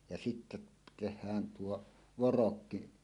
ja sitten tehdään tuo vorokki